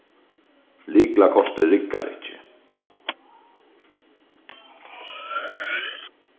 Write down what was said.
lyklakortið riggar ikki